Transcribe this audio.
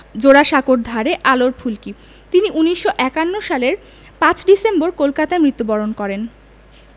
জোড়াসাঁকোর ধারে আলোর ফুলকি তিনি ১৯৫১ সালে ৫ই ডিসেম্বর কলকাতায় মৃত্যুবরণ করেন